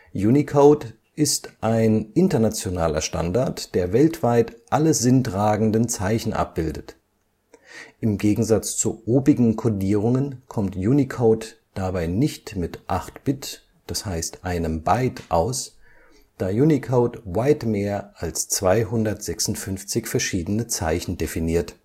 Unicode ist ein internationaler Standard, der weltweit alle sinntragenden Zeichen abbildet. Im Gegensatz zu obigen Codierungen kommt Unicode dabei nicht mit 8 Bit (das heißt einem Byte) aus, da Unicode weit mehr als 256 verschiedene Zeichen definiert